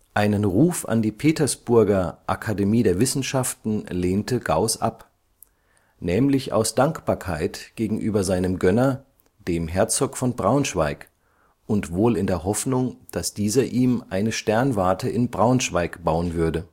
Einen Ruf an die Petersburger Akademie der Wissenschaften lehnte Gauß ab: nämlich aus Dankbarkeit gegenüber seinem Gönner, dem Herzog von Braunschweig, und wohl in der Hoffnung, dass dieser ihm eine Sternwarte in Braunschweig bauen würde